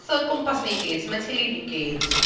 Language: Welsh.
So o gwmpas ni i gyd, so mae teulu fi i gyd...